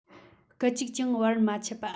སྐད ཅིག ཀྱང བར མ ཆད པ